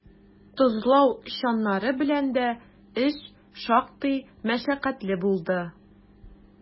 Тозлау чаннары белән дә эш шактый мәшәкатьле булды.